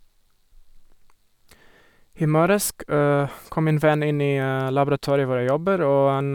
I morges k kom min venn inn i laboratoriet hvor jeg jobber, og han...